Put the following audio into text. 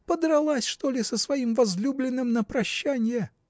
Подралась, что ли, с своим возлюбленным на прощанье?